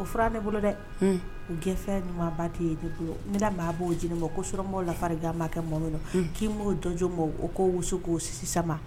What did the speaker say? O fura ne bolo dɛ u gɛnfɛ ɲumanba tɛ ye ne bolo n bɛna maa b'o di ma ko surmamɔgɔww lafari makɛ mɔ min k'i'o dɔnj mɔgɔw o ko wu k'o sisanma